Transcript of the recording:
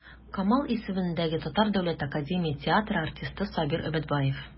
Камал исемендәге Татар дәүләт академия театры артисты Сабир Өметбаев.